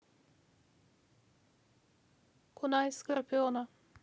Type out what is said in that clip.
кунай скорпиона